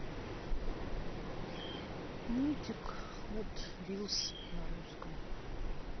мультик хот вилс на русском